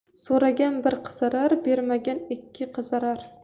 so'ragan bir qizarar bermagan ikki qizarar